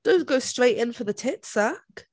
Don't go straight in for the tit suck.